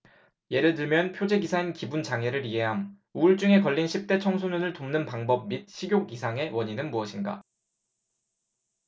예를 들면 표제 기사인 기분 장애를 이해함 우울증에 걸린 십대 청소년을 돕는 방법 및 식욕 이상의 원인은 무엇인가